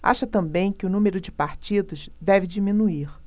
acha também que o número de partidos deve diminuir